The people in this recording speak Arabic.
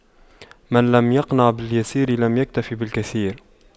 من لم يقنع باليسير لم يكتف بالكثير